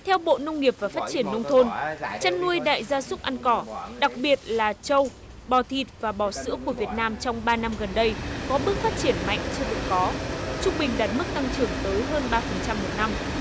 theo bộ nông nghiệp và phát triển nông thôn chăn nuôi đại gia súc ăn cỏ đặc biệt là trâu bò thịt và bò sữa của việt nam trong ba năm gần đây có bước phát triển mạnh chưa từng có trung bình đạt mức tăng trưởng tới hơn ba phần trăm một năm